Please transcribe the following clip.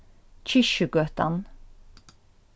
kirkjugøtan